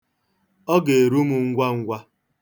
Ọ ga-eru m ngwa ngwa.